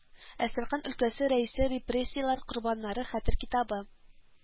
Әстерхан өлкәсе рәяси репрессияләр корбаннары хәтер китабы